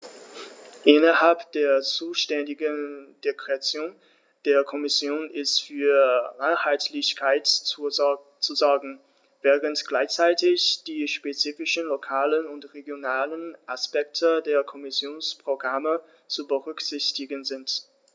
Innerhalb der zuständigen Direktion der Kommission ist für Einheitlichkeit zu sorgen, während gleichzeitig die spezifischen lokalen und regionalen Aspekte der Kommissionsprogramme zu berücksichtigen sind.